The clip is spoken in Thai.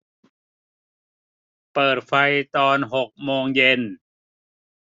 เปิดไฟตอนหกโมงเย็น